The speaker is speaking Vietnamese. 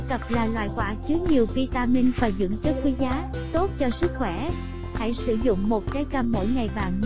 cam ai cập là loại quả chứa nhiều vitamin và dưỡng chất quý giá tốt cho sức khỏe hãy sử dụng trái cam mỗi ngày bạn nhé